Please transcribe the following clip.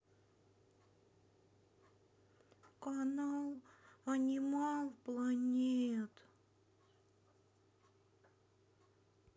канал энимал планет